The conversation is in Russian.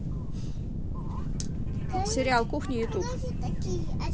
сериал кухня ютуб